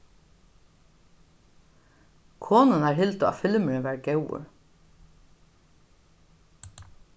konurnar hildu at filmurin var góður